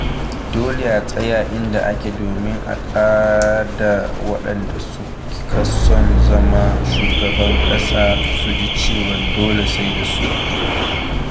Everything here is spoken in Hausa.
Ya kamata a tsaya inda ake domin a kada waɗanda suka son zama shugaban ƙasa su ji cewa dole sai da su.